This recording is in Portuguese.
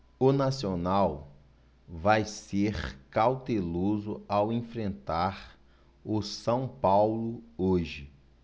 o nacional vai ser cauteloso ao enfrentar o são paulo hoje